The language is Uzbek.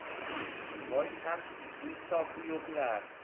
voy san insofi yo'qlar